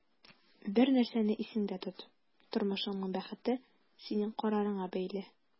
Бер нәрсәне исеңдә тот: тормышыңның бәхете синең карарыңа бәйле.